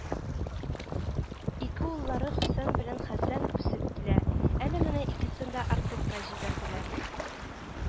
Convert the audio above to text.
Ике уллары, Хөсән белән Хәсән үсеп килә, әле менә икесен дә “Артекка җибәрделәр